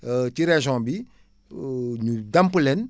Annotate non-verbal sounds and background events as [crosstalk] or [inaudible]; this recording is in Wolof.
[hesitation] ci région bi [hesitation] ñu ndàmp leen